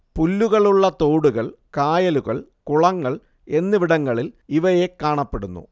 പുല്ലുകളുള്ള തോടുകൾ കായലുകൾ കുളങ്ങൾ എന്നിവിടങ്ങളിൽ ഇവയെ കാണപ്പെടുന്നു